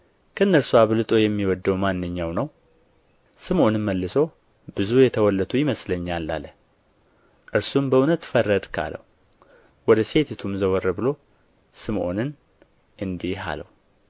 ከእነርሱ አብልጦ የሚወደው ማንኛው ነው ስምዖንም መልሶ ብዙ የተወለቱ ይመስለኛል አለ እርሱም በእውነት ፈረድህ አለው ወደ ሴቲቱም ዘወር ብሎ ስምዖንን እንዲህ አለው